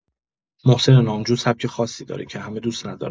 محسن نامجو سبک خاصی داره که همه دوست ندارن.